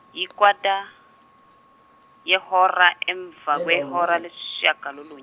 yikwata yehora emva kwehora lesishiyagololunye.